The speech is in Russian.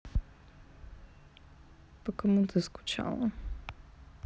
по кому ты скучала